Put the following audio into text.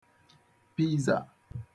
Piza